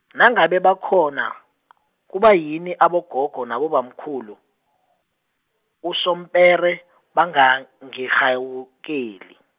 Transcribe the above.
nangabe bakhona , kubayini abogogo nabobamkhulu, usompere bangangirhawukeli.